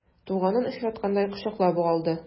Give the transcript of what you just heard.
Туганын очраткандай кочаклап ук алды.